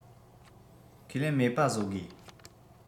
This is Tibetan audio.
ཁས ལེན མེད པ བཟོས དགོ